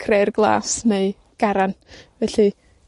Creu'r Glas neu Garan. Felly,